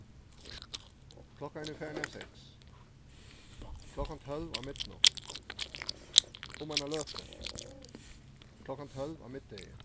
farin av seks klokkan tólv á midnátt um eina løtu klokkan tólv á middegi